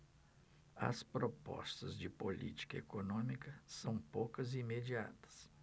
as propostas de política econômica são poucas e imediatas